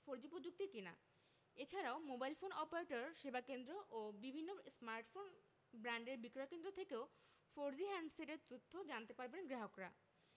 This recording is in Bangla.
ফোরজি প্রযুক্তির কিনা এ ছাড়াও মোবাইল ফোন অপারেটরের সেবাকেন্দ্র ও বিভিন্ন স্মার্টফোন ব্র্যান্ডের বিক্রয়কেন্দ্র থেকেও ফোরজি হ্যান্ডসেটের তথ্য জানতে পারবেন গ্রাহকরা